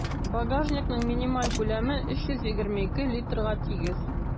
Багажникның минималь күләме 322 литрга тигез.